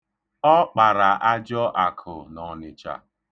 Ọ kpara ajọ akụ n'Ọnicha.